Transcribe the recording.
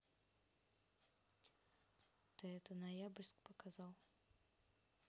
ты это ноябрьск показал